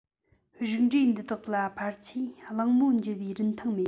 རིགས འགྲེ འདི དག ལ ཕལ ཆེར གླེང མོལ བགྱི བའི རིན ཐང མེད